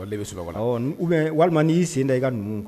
De bɛ walima n' y'i senna i kaun kɔnɔ